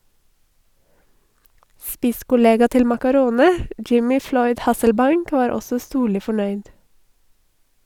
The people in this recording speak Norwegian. Spisskollega til Maccarone, Jimmy Floyd Hasselbaink var også storlig fornøyd.